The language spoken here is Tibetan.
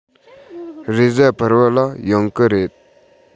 རེས གཟའ ཕུར བུ ལ ཡོང གི རེད